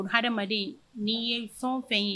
O hadamaden nii ye fɛn fɛn ye